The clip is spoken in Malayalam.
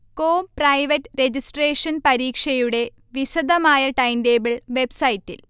കോം പ്രൈവറ്റ് രജിസ്ട്രേഷൻ പരീക്ഷയുടെ വിശദമായ ടൈംടേബിൾ വെബ്സൈറ്റിൽ